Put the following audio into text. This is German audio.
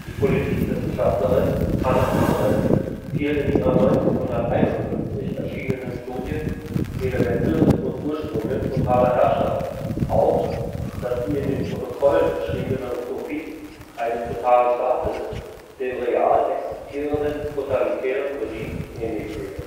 Politikwissenschaftlerin Hannah Arendt fiel in ihrer 1951 erschienenen Studie Elemente und Ursprünge totaler Herrschaft auf, dass die in den Protokollen beschriebene Utopie eines totalen Staates den real existierenden totalitären Regimen ähnlich sehe